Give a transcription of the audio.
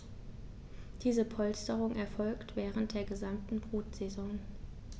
Diese Polsterung erfolgt während der gesamten Brutsaison.